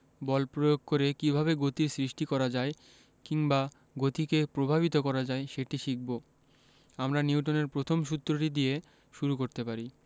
বল প্রয়োগ করে কীভাবে গতির সৃষ্টি করা যায় কিংবা গতিকে প্রভাবিত করা যায় সেটি শিখব আমরা নিউটনের প্রথম সূত্রটি দিয়ে শুরু করতে পারি